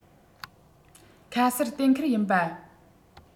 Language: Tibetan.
ཁ གསལ གཏན འཁེལ ཡིན པ